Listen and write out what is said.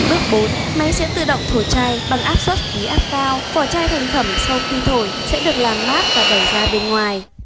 bước máy sẽ tự động thổi chai bằng áp suất khí áp cao vỏ chai thành phẩm sau khi thổi sẽ được làm mát và đẩy ra bên ngoài